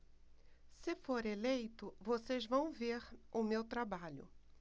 se for eleito vocês vão ver o meu trabalho